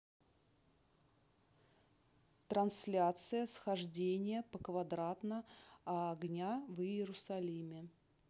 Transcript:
трансляция схождения поквадратно о огня в иерусалиме